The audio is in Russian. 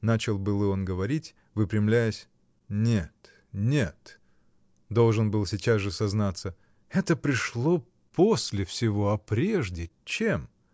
— начал было он говорить, выпрямляясь, — нет, нет, — должен был сейчас же сознаться, — это пришло после всего, а прежде чем?